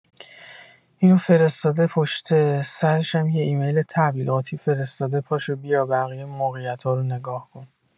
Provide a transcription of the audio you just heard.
اینو فرستاده پشت سرشم یه ایمیل تبلیغاتی فرستاده پاشو بیا بقیه موقعیتا رو نگاه کن!